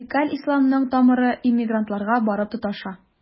Радикаль исламның тамыры иммигрантларга барып тоташа.